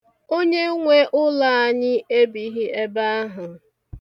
Onyenwe ụlọ anyị ebighị ebe ahụ.